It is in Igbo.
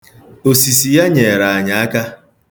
Osisi ya nyeere anyị aka.